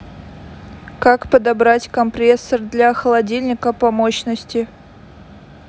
как подобрать компрессор для холодильника по мощности